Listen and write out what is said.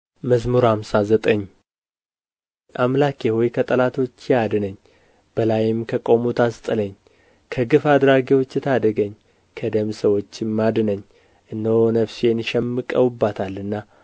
መዝሙር ሃምሳ ዘጠኝ አምላኬ ሆይ ከጠላቶቼ አድነኝ በላዬም ከቆሙት አስጥለኝ ከግፍ አድራጊዎች ታደገኝ ከደም ሰዎችም አድነኝ እነሆ ነፍሴን ሸምቀውባታልና